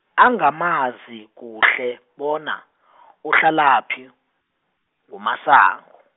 angamazi kuhle bona uhlalaphi, nguMasango.